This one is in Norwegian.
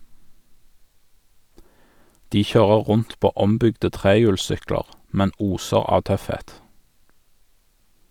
De kjører rundt på ombygde trehjulssykler, men oser av tøffhet.